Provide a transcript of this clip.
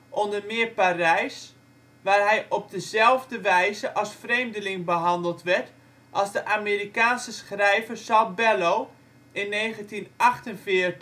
onder meer Parijs, waar hij op dezelfde wijze als vreemdeling behandeld werd als de Amerikaanse schrijver Saul Bellow in 1948